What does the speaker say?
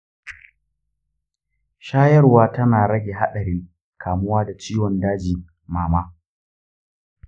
shayarwa tana rage haɗarin kamuwa da ciwon dajin mama?